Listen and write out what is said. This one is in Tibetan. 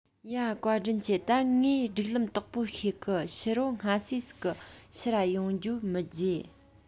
ཡ བཀའ དྲིན ཆེ ད ངས སྒྲིག ལམ དག པོ ཤེས གི ཕྱི རོ སྔ སེ ཟིག གི ཕྱིར ར ཡོང རྒྱུའོ མི བརྗེད